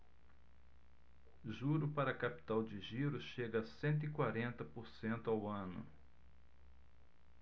juro para capital de giro chega a cento e quarenta por cento ao ano